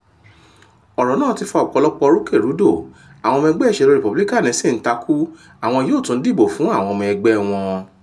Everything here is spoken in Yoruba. Ọ̀rọ̀ náà ti fa ọ̀pọ̀lọ̀pọ̀ rúkèrúdò, àwọn ọmọ ẹgbẹ́ ìṣèlú Rìpúbílíkáànì sì ń takú àwọn yóò tún dìbò fún àwọn ọmọ ẹgbẹ́ wọn.